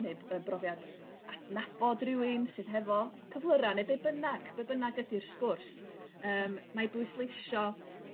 ne' b- yy brofiad adnabod rywun sydd hefo cyflyra' ne' be' bynnag be' bynnag ydi'r sgwrs yym na'i bwysleisio